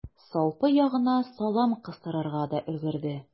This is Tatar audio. Салпы ягына салам кыстырырга да өлгерде.